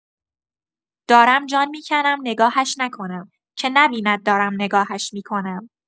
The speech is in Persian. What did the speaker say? دارم جان می‌کنم نگاهش نکنم، که نبیند دارم نگاهش می‌کنم.